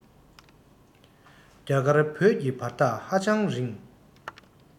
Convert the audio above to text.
རྒྱ གར བོད ཀྱི བར ཐག ཧ ཅང རིང